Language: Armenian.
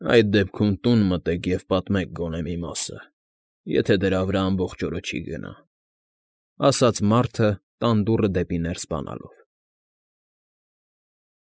Այդ դեպքում տուն մտեք և պատմեք գոնե մի մասը, եթե դրա վրա ամբողջ օրը չի գնա,֊ ասաց մարդը՝ տան դուռը դեպի ներս բանալով։